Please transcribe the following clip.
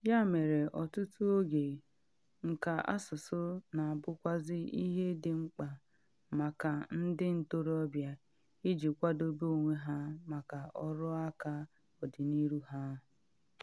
Ya mere ọtụtụ oge, nka asụsụ na abụkwazị ihe dị mkpa maka ndị ntorobịa iji kwadobe onwe ha maka ọrụaka ọdịnihu ha.